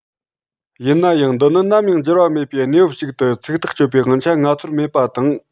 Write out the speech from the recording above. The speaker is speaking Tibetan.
ཡིན ནའང འདི ནི ནམ ཡང འགྱུར བ མེད པའི གནས བབ ཞིག ཏུ ཚིག ཐག གཅོད པའི དབང ཆ ང ཚོར མེད པ དང